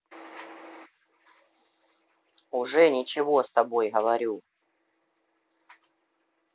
уже ничего с тобой говорю